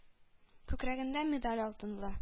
Күкрәгендә медаль алтынлы,